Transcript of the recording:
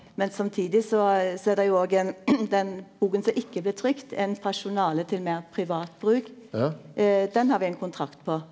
men samtidig så så er det jo òg ein den boka som ikkje blir trykt er ein pasjonale til meir privat bruk den har vi ein kontrakt på.